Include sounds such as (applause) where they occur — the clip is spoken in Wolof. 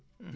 (hesitation)